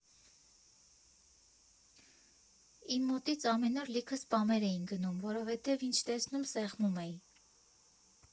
Իմ մոտից ամեն օր լիքը սպամեր էին գնում, որովհետև ինչ տեսնում՝ սեղմում էի։